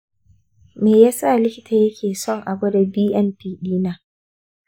me ya sa likita yake son a gwada bnp ɗina?